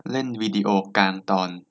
เล่นวีดิโอที่กลางตอน